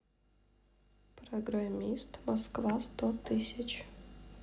программист москва сто тысяч